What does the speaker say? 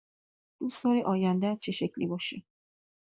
دوست‌داری آینده‌ت چه شکلی باشه؟